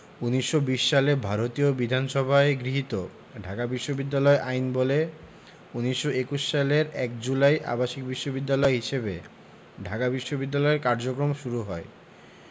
১৯২০ সালে ভারতীয় বিধানসভায় গৃহীত ঢাকা বিশ্ববিদ্যালয় আইনবলে ১৯২১ সালের ১ জুলাই আবাসিক বিশ্ববিদ্যালয় হিসেবে ঢাকা বিশ্ববিদ্যালয়ের কার্যক্রম শুরু হয়